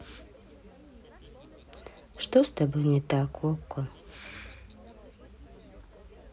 что с тобой не так окко